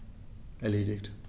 Erledigt.